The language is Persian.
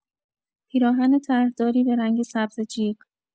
پیراهن طرح‌داری به رنگ سبز جیغ